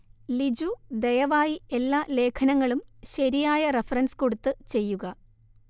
ലിജു ദയവായി എല്ലാ ലേഖനങ്ങളും ശരിയായ റെഫറൻസ് കൊടുത്ത് ചെയ്യുക